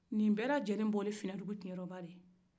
nin bɛɛ la jɛlen bɔra finadugukiɲɛdɔba